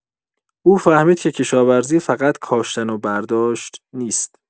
او فهمید که کشاورزی فقط کاشتن و برداشت نیست.